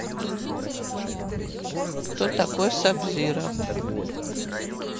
кто такой сабзиро